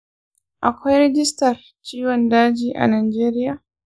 akwai rajistar ciwon daji a najeriya?